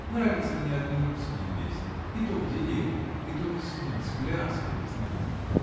Нравятся мне одни русские песни -- то в деревне, и то весной -- с пляской, знаете.